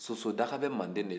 sosodaga bɛ manden de